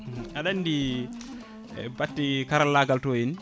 aɗa andi batte karallagal to henna